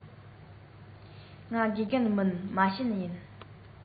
ང དགེ རྒན མིན མ བྱན ཡིན